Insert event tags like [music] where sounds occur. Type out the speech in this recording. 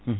[hesitation] [hesitation]